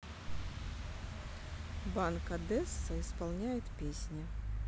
банк одесса исполняет песни